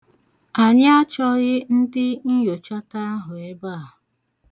Anyị achọghị ndị nnyochata ahụ ebe a.